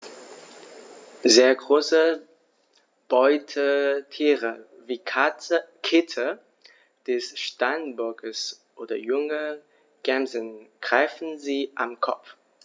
Sehr große Beutetiere wie Kitze des Steinbocks oder junge Gämsen greifen sie am Kopf.